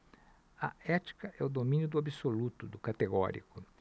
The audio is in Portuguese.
a ética é o domínio do absoluto do categórico